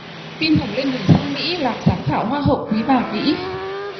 kim hồng lên đường sang mỹ làm giám khảo hoa hậu quý bà mỹ